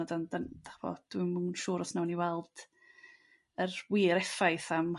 na 'dan dyn dych ch'bo' dwi'm yn siŵr os nawn ni weld yr wir effaith am